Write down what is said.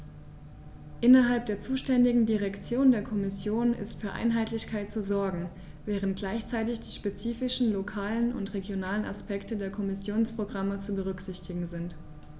Innerhalb der zuständigen Direktion der Kommission ist für Einheitlichkeit zu sorgen, während gleichzeitig die spezifischen lokalen und regionalen Aspekte der Kommissionsprogramme zu berücksichtigen sind.